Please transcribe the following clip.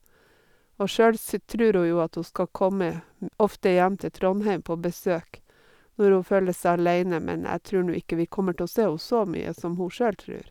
Og sjøl så trur hun jo at hun skal komme m ofte hjem til Trondheim på besøk når hun føler seg aleine, men jeg trur nå ikke vi kommer til å se ho så mye som hun sjøl trur.